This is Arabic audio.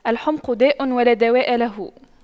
الحُمْقُ داء ولا دواء له